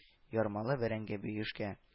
Ярмалы бәрәңге биюшкә